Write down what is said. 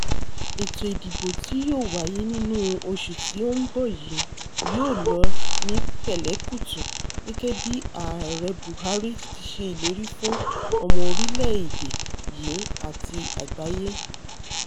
Ètò ìdìbò tí yóò wáyé nínú osù tí ó ń bọ̀ yìí yóò lọ ní pẹ̀lẹ́-kùtù, gẹ́gẹ́ bí Ààrẹ Buhari ti ṣe ìlérí fún ọmọ orílẹ̀-èdè yìí àti àgbáyé.